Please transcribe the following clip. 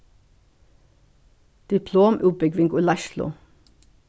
diplomútbúgving í leiðslu